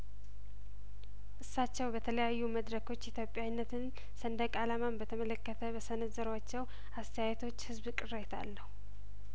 እሳቸው በተለያዩ መድረኮች ኢትዮጵያዊ ነትን ሰንደቅ አላማን በተመለከተ በሰነዘሯቸው አስተያየቶች ህዝብ ቅሬታ አለው